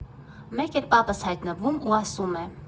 Մեկ էլ պապս հայտնվում ու ասում է.